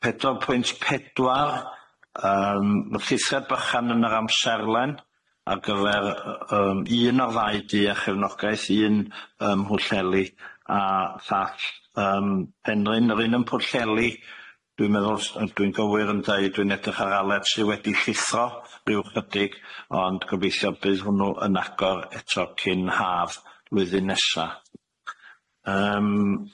Pedwar pwynt pedwar yym ma'r llythyr bychan yn yr amserlen ar gyfer yy yym un o'r ddau du a chefnogaeth un yym Mhwllheli a thall yym Penrhyn yr un yn Pwllheli dwi'n meddwl s- yy dwi'n gywir yn deud dwi'n edrych ar Aled sy wedi llithro ryw chydig ond gobeithio bydd hwnnw yn agor eto cyn haf flwyddyn nesa. Yym.